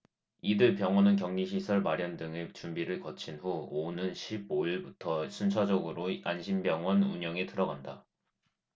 이들 병원은 격리시설 마련 등의 준비를 거친 후 오는 십 오 일부터 순차적으로 안심병원 운영에 들어간다